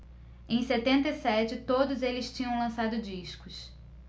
em setenta e sete todos eles tinham lançado discos